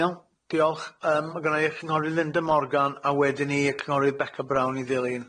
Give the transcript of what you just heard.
Iawn diolch yym ma' gynnai y cyngorydd Linda Morgan a wedyn ni y cyngorydd Beca Brown i ddilyn.